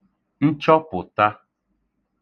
nchọpụ̀tā